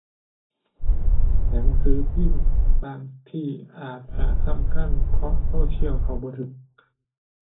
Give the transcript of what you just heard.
หนังสือพิมพ์ บางทีอาจจะสำคัญเพราะโซเชียลเข้าบ่ถึง